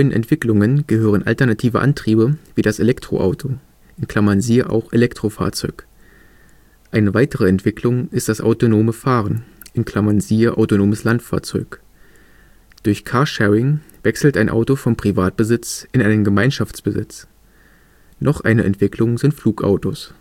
Entwicklungen gehören alternative Antriebe wie das Elektroauto (s.a. Elektrofahrzeug). Eine weitere Entwicklung ist das autonome Fahren (s. Autonomes Landfahrzeug). Durch Carsharing wechselt ein Auto vom Privatbesitz in einen Gemeinschaftsbesitz. Noch eine Entwicklung sind Flugautos